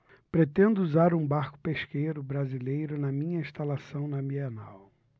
pretendo usar um barco pesqueiro brasileiro na minha instalação na bienal